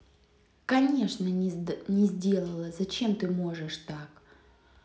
конечно не сделала зачем ты можешь так